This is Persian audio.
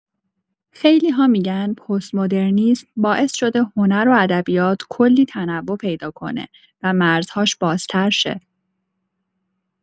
خیلی‌ها می‌گن پست‌مدرنیسم باعث شده هنر و ادبیات کلی تنوع پیدا کنه و مرزهاش بازتر شه.